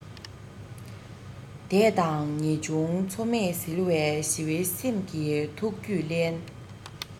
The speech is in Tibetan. དད དང ངེས འབྱུང འཚེ མེད ཟིལ བས ཞི བའི སེམས ཀྱི ཐུགས རྒྱུད བརླན